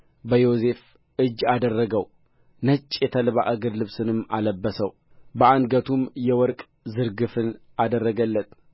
በዮሴፍ እጅም አደረገው ነጭ የተልባ እግር ልብስንም አለበሰው በአንገቱም የወርቅ ዝርግፍን አደረገለት